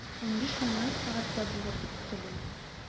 15.00 сәгатьтә булыр дип көтелә.